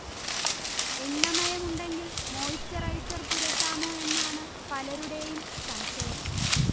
എണ്ണമയം ഉണ്ടെങ്കിൽ മോയിസ്ചറൈസർ പുരട്ടാമോ എന്നാണ് പലരുടെയും സംശയം